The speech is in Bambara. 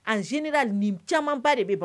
En général nin camanba de bɛ Bamako